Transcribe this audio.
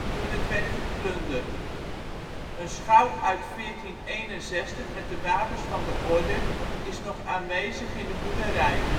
toen het werd geplunderd. Een schouw uit 1461 met de wapens van de orde is nog aanwezig in de boerderij